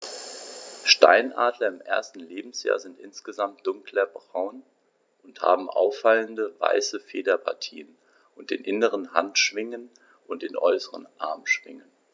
Steinadler im ersten Lebensjahr sind insgesamt dunkler braun und haben auffallende, weiße Federpartien auf den inneren Handschwingen und den äußeren Armschwingen.